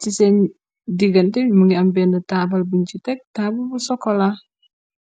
ci seen digante mu ngi am benn taabal buñ ci tek taab bu sokola.